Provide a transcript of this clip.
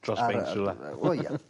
Dros beint rwla. Wel ia.